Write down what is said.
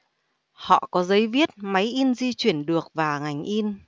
họ có giấy viết máy in di chuyển được và ngành in